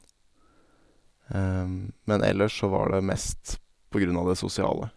Men ellers så var det mest på grunn av det sosiale.